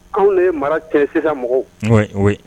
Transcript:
Anw de ye mara cɛn, sisan mɔgɔw, oui, oui .